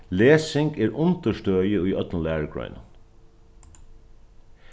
lesing er undirstøðið í øllum lærugreinum